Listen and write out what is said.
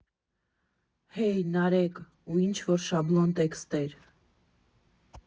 «Հեյ, Նարեկ» ու ինչ֊որ շաբլոն տեքստեր։